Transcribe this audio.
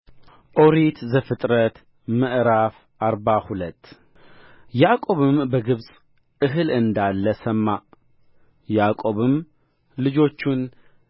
ኦሪት ዘፍጥረት ምዕራፍ አርባ ሁለት ያዕቆብም በግብፅ እህል እንዳለ ሰማ ያዕቆብም ልጆቹን